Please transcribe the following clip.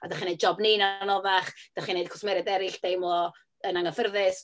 A dach chi'n wneud job ni'n anoddach, dach chi'n wneud cwsmeriaid eraill, deimlo yn anghyfforddus.